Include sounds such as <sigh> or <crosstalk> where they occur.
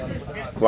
<hesitation> <hesitation> <crosstalk>